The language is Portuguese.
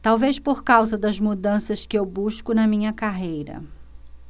talvez por causa das mudanças que eu busco na minha carreira